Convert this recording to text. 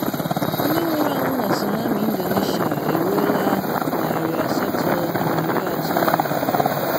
Ndị nwụrụ anwụ na tsunami Indonesia eruola 832